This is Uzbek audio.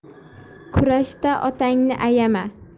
kurashda otangni ayama